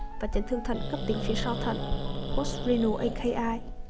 và chấn thương thận cấptính